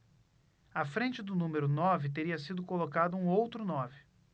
à frente do número nove teria sido colocado um outro nove